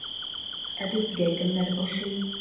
Ә безгә кемнәр ошый?